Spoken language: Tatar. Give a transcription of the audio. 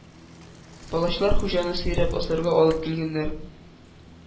Палачлар Хуҗаны сөйрәп асарга алып килгәннәр.